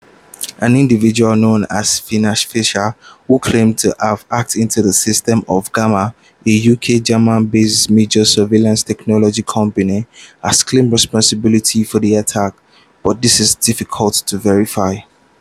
An individual known as “Phineas Fisher”, who claimed to have hacked into the systems of Gamma, a UK and Germany-based major surveillance technology company, has claimed responsibility for the attack, but this is difficult to verify.